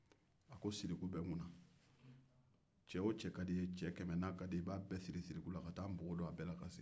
a ko siriku bɛ n kun na cɛ o cɛ ka di i ye n'a ka d'i ye i b'a bɛɛ siri ka taa npogo don a bɛɛ la ka na